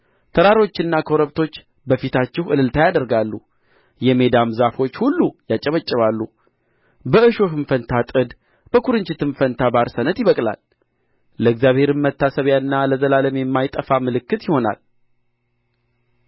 ተራሮችና ኮረብቶች በፊታችሁ እልልታ ያደርጋሉ የሜዳም ዛፎች ሁሉ ያጨበጭባሉ በእሾህም ፋንታ ጥድ በኩርንችትም ፋንታ ባርሰነት ይበቅላል ለእግዚአብሔርም መታሰቢያን ለዘላለምም የማይጠፋ ምልክት ይሆናል